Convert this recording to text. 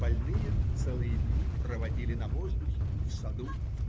больные целые дни проводили на воздухе в саду.